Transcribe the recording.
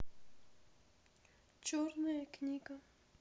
черная книга